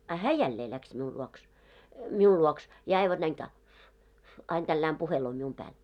a hän jälleen lähti minun luokse minun luokse ja aivan näin - aina tällä lailla puhelee minun päälle